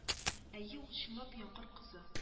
Әйе ул чынлап яңгыр кызы